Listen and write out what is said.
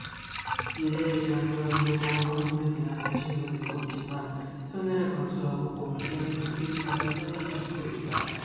미래에 대한 불안으로 보험 상품에 대한 관심도 늘고 있지만 손해를 감수하고 보험을 깨는 소비자가 끊이지 않고 있다